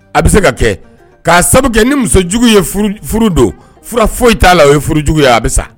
A bɛ se ka kɛ k'a sababu kɛ ni musojugu ye furu don fura foyi t'a la o ye furujugu ye a bɛ sa